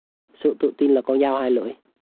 sự tự tin là con dao hai lưỡi